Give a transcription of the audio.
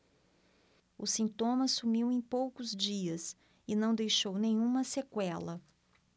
o sintoma sumiu em poucos dias e não deixou nenhuma sequela